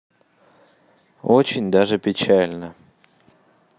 очень даже печально